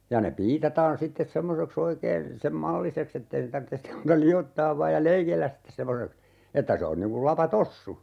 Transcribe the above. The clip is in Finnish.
ja ne piitataan sitten semmoiseksi oikein sen malliseksi että ei ne tarvitse sitten muuta liottaa vain ja leikellä sitten semmoiseksi että se on niin kuin lapatossu